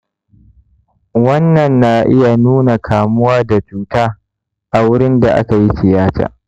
wannan na iya nuna kamuwa da cuta a wurin da aka yi tiyata.